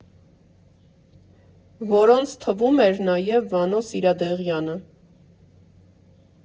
Որոնց թվում էր նաև Վանո Սիրադեղյանը։